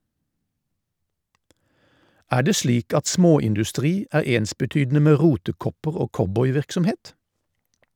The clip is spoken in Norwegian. Er det slik at småindustri er ensbetydende med rotekopper og cowboy-virksomhet?